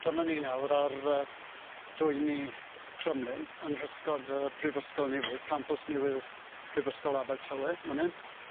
Dyma ni nawr ar yy dwyni Crymlyn yng nghysgod y brifysgol newydd campws newydd prifysgol Abertawe man 'yn.